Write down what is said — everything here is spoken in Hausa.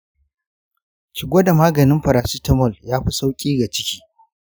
ki gwada maganin paracitamol; yafi sauƙi ga ciki.